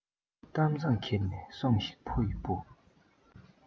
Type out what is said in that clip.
གཏམ བཟང ཁྱེར ནས སོང ཞིག ཕ ཡི བུ